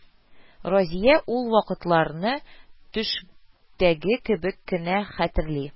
Разия ул вакытларны төштәге кебек кенә хәтерли